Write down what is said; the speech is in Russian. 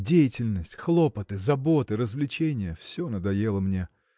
Деятельность, хлопоты, заботы, развлечение – все надоело мне.